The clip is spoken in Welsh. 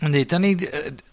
'Na ni. 'Dan ni d- yy d-